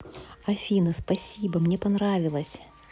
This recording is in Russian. афина спасибо мне понравилось